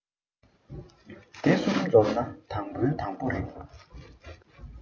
དེ གསུམ འཛོམས ན དང པོའི དང པོ རེད